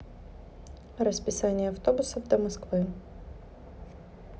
расписание автобусов до москвы